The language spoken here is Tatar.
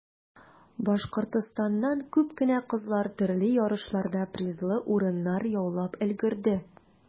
Башкортстаннан күп кенә кызлар төрле ярышларда призлы урыннар яулап өлгерде.